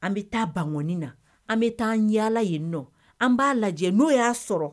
An bɛ taa bangɔni na an bɛ taa an yaala yen n nɔ an b'a lajɛ n'o y'a sɔrɔ